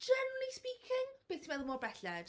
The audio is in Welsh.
Generally speaking, be ti'n meddwl mor belled?